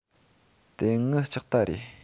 དེ ངའི ལྕགས རྟ རེད